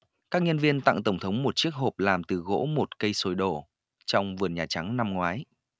các nhân viên tặng tổng thống một chiếc hộp làm từ gỗ một cây sồi đổ trong vườn nhà trắng năm ngoái